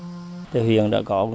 thực hiện đã có